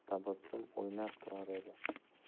tabassum o'ynab turar edi